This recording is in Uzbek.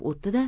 o'tdi da